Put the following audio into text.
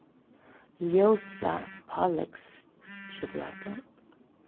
ljósa páleggsjokulátu